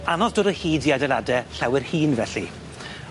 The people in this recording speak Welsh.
Anodd dod o hyd i adeilade llawer hŷn felly.